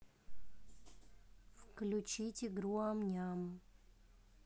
включить игру ам ням